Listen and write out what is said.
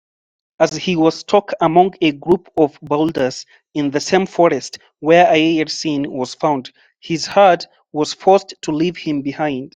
As he was stuck among a group of boulders in the same forest where Ayeyar Sein was found, his herd was forced to leave him behind.